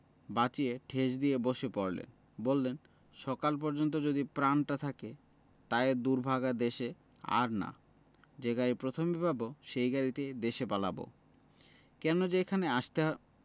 বাঁচিয়ে ঠেস দিয়ে বসে পড়লেন বললেন সকাল পর্যন্ত যদি প্রাণটা থাকে ত এ দুর্ভাগা দেশে আর না যে গাড়ি প্রথমে পাব সেই গাড়িতে দেশে পালাব কেন যে এখানে আসতে